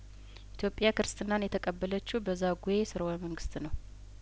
ኢትዮጵያ ክርስትናን የተቀበለችው በዛጔ ስርወ መንግስት ነው